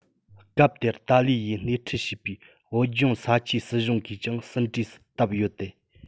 སྐབས དེར ཏཱ ལའི ཡིས སྣེ ཁྲིད བྱས པའི བོད ལྗོངས ས ཆའི སྲིད གཞུང གིས ཀྱང ཟིན བྲིས སུ བཏབས ཡོད དེ